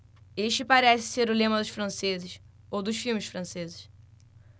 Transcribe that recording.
este parece ser o lema dos franceses ou dos filmes franceses